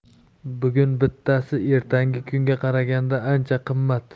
bugun bittasi ertangi kunga qaraganda ancha qimmat